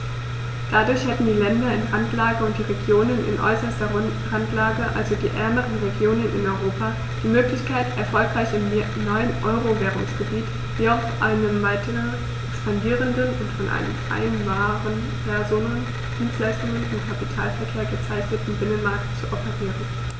Dadurch hätten die Länder in Randlage und die Regionen in äußerster Randlage, also die ärmeren Regionen in Europa, die Möglichkeit, erfolgreich im neuen Euro-Währungsgebiet wie auch auf einem weiter expandierenden und von einem freien Waren-, Personen-, Dienstleistungs- und Kapitalverkehr gekennzeichneten Binnenmarkt zu operieren.